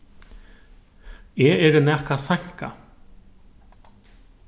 eg eri nakað seinkað